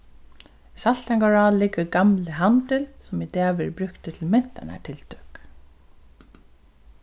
í saltangará liggur gamli handil sum í dag verður brúktur til mentanartiltøk